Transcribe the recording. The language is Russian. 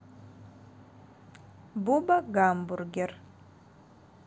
буба гамбургер